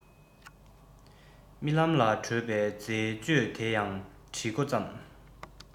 རྨི ལམ ལ བྲོད པའི མཛེས དཔྱོད དེ ཡང བྲི འགོ བརྩམས